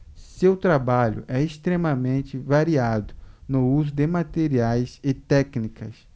seu trabalho é extremamente variado no uso de materiais e técnicas